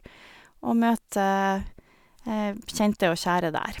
Og møte kjente og kjære der.